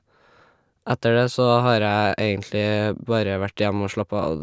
Etter det så har jeg egentlig bare vært hjemme og slappa av.